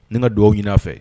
Ne ka dugaw ɲini'a fɛ